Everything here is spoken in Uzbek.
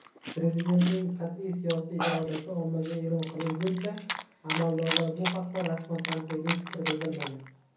prezidentning qat'iy siyosiy irodasi ommaga e'lon qilinguncha amaldorlar bu haqda rasman tanqidiy fikr bildirmagan